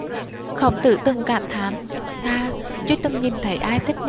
khổng tử từng cảm thán ta chưa từng nhìn thấy ai thích